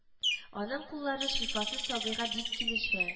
Аның куллары шифасы сабыйга бик килешә